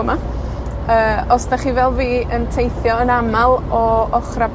yma, yy, os 'dach chi fel fi, yn teithio yn amal o ochra...